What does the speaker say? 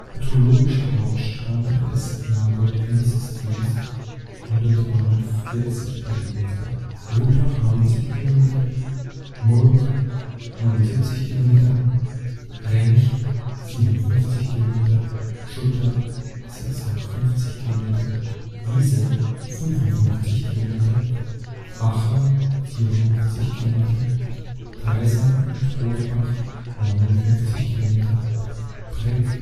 hydrologischer Hauptstrang des Nagold-Enz-Systems (149 km) Wutach (90 km) Murg (79 km) Rench (57 km) Schutter (56 km) Wiese (55 km) Acher (54 km) Dreisam (mit Rotbach 49 km) Breg